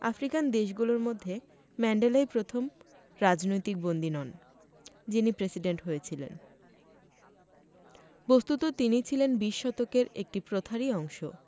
African দেশগুলোর মধ্যে ম্যান্ডেলাই প্রথম রাজনৈতিক বন্দী নন যিনি প্রেসিডেন্ট হয়েছিলেন বস্তুত তিনি ছিলেন বিশ শতকের একটি প্রথারই অংশ